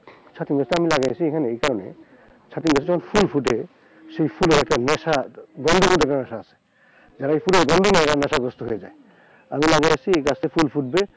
ছাতিম গাছ টা আমি লাগাইছি এইখানে এই কারণে ছাতিম গাছে যখন ফুল ফোটে সে ফুলের একটা নেশা গন্ধের মধ্যে একটা নেশা আছে যারা এই ফুলের গন্ধ নেয় তারা নেশাগ্রস্ত হয়ে যায় আমি লাগাইছি এই গাছে ফুল ফুটবে